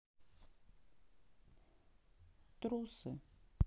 трусы